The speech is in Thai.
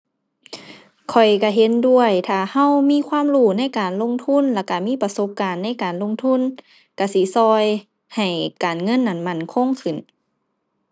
ข้อยก็เห็นด้วย ถ้าก็มีความรู้ในการลงทุน แล้วก็มีประสบการณ์ในการลงทุนก็สิก็ให้การเงินนั้นมั่นคงขึ้น